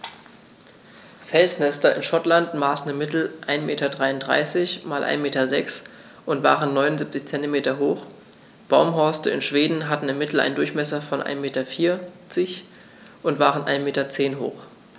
Felsnester in Schottland maßen im Mittel 1,33 m x 1,06 m und waren 0,79 m hoch, Baumhorste in Schweden hatten im Mittel einen Durchmesser von 1,4 m und waren 1,1 m hoch.